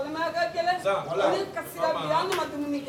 Balimaya ka gɛlɛ, n ko ne kasira bi hali ne ma dumuni kɛ